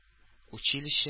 Училище